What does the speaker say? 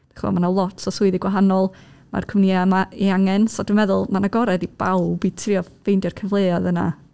Chibod, mae yna lot o swyddi gwahanol, mae'r cwmnïau yma ei angen. So dwi'n meddwl mae'n agored i bawb i trio ffeindio'r cyfleoedd yna.